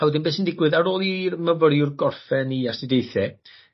A wedyn be' sy'n digwydd ar ôl i'r myfyriwr gorffen 'i astudiaethe